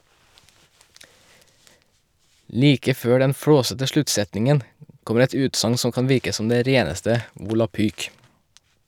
Like før den flåsete sluttsetningen, kommer et utsagn som kan virke som det reneste volapyk.